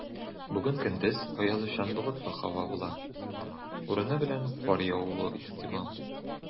Бүген көндез аязучан болытлы һава була, урыны белән кар явуы ихтимал.